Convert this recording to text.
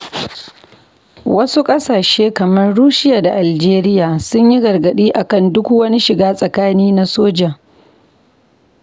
Wasu ƙasashe kamar Russia da Algeria sun yi gargaɗi a kan duk wani shiga tsakani na soja.